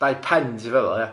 Dau pen ti feddwl ia?